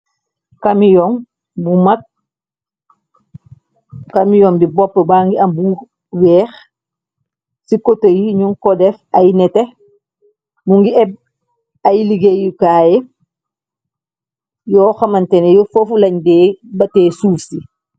Kamiyon bu mapp kamiyon bi boppu ba ngi am bu weex ci koto yi ñu ko def ay nete mu ngi ebb ay liggéeyukaaye yoo xamantene yu fofu lañ dee batee suuf si.